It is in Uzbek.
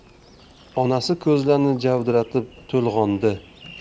onasi ko'zlarini javdiratib to'lg'ondi